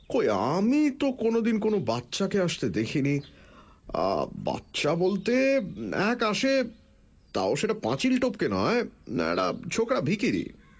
কই আমি তো কোনওদিন কোনও বাচ্চাকে আসতে দেখিনি বাচ্চা বলতে এক আসে তাও সেটা পাঁচিল টপকে নয় একটা ছোকরা ভিখিরি